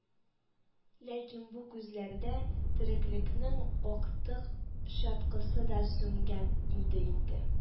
Ләкин бу күзләрдә тереклекнең актык чаткысы да сүнгән иде инде